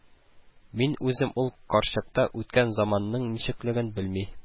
Мин үзем ул карчыкта үткән заманның ничеклеген белмим